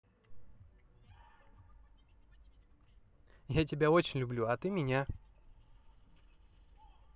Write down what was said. я тебя очень люблю а ты меня